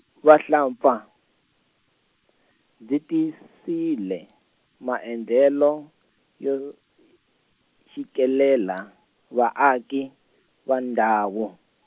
vahlampfa, byi tisile maendlelo, yo, tshikelela vaaki, va ndhawu.